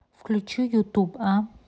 включи ютуб а